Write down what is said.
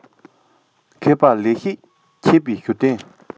མཁས པ ལེགས བཤད འཆད པའི ཞུ རྟེན